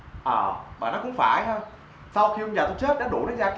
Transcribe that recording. ờ bà nói cũng phải ha sau khi ông già tui chết đã đuổi nó ra cái